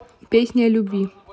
песни о любви